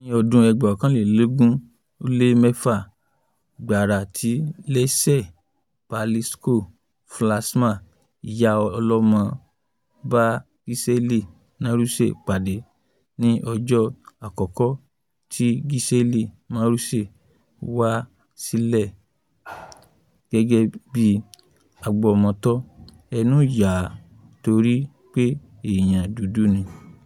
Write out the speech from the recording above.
Ní ọdún 2016, gbàrà ti Lynsey Plasco-Flaxman, ìyá ọlọ́mọ, bá Giselle Maurice pàdé ní ọjọ́ àkọ́kọ́ tí Giselle Maurice wá sílẹ̀ gẹ́gẹ́ bí agbọmọtọ́, ẹnú yà á torí pé èèyàn dúdú ni i.